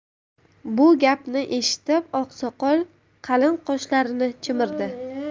bu gapni eshitib oqsoqol qalin qoshlarini chimirdi